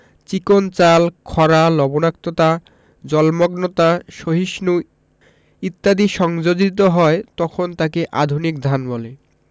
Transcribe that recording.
চিকন চাল খরা লবনাক্ততা জলমগ্নতা সহিষ্ণু ইত্যাদি সংযোজিত হয় তখন তাকে আধুনিক ধান বলে